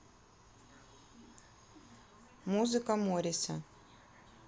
музыка мориса